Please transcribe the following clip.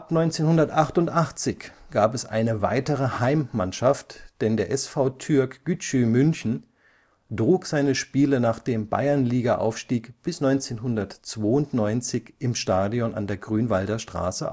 1988 gab es eine weitere Heimmannschaft, denn der SV Türk Gücü München trug seine Spiele nach dem Bayernligaaufstieg bis 1992 im Stadion an der Grünwalder Straße aus